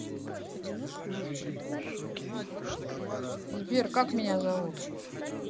сбер как меня зовут